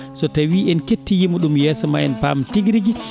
so tawii en kettoyiima ɗum yeeso maa en paam tigi rigi